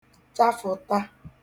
chafụ̀ta